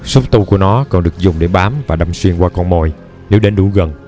xúc tu của nó còn dùng để bám và đâm xuyên qua con mồi nếu đến đủ gần